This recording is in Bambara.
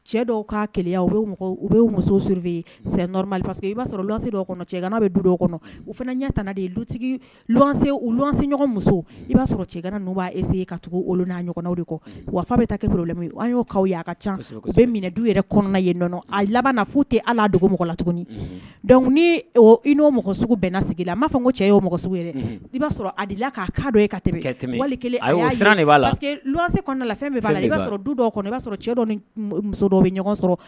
Cɛ muso i b'a cɛ bɛ du fana ɲɛ de yelutigi i'a sɔrɔ cɛ b'a ese ka tugu ɲɔgɔnw de kɔ wa fa bɛ ta kɛoro y'o a ka ca u bɛ minɛ du yɛrɛ kɔnɔna yen a laban fu tɛ ala dogo mɔgɔ la tuguni dɔnku ni i n'o mɔgɔ sugu bɛnna sigi b'a fɔ ko cɛ o mɔgɔ i'a sɔrɔ ala k' ka don e tɛmɛ tɛmɛ'a la la fɛn b' la i b'a i b'a sɔrɔ cɛ dɔ muso dɔw bɛ ɲɔgɔn sɔrɔ